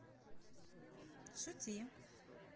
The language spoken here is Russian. шути